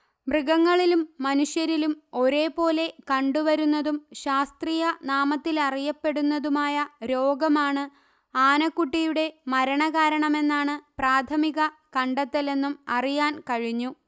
മൃഗങ്ങളിലും മനുഷ്യരിലും ഒരേപോലെ കണ്ടുവരുന്നതും ശാസ്ത്രീയ നാമത്തിലറിയപ്പെടുന്നതുമായ രോഗമാണ് ആനക്കുട്ടിയുടെ മരണകാരണമെന്നാണ് പ്രാഥമിക കണ്ടെത്തലെന്നും അറിയാൻകഴിഞ്ഞു